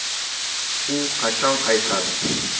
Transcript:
u qachon qaytadi